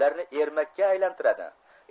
ularni ermakka aylantiradi